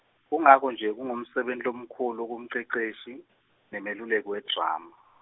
Kungako-nje kungumsebenti lomkhulu kumceceshi nemeluleki wedrama.